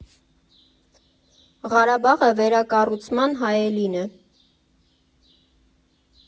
Ղարաբաղը վերակառուցման հայելին է։